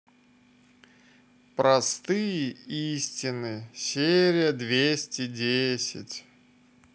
простые истины серия двести десять